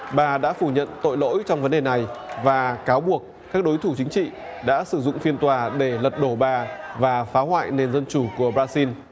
bà đã phủ nhận tội lỗi trong vấn đề này và cáo buộc các đối thủ chính trị đã sử dụng phiên tòa để lật đổ bà và phá hoại nền dân chủ của bờ ra xin